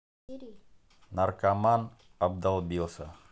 наркоман обдолбился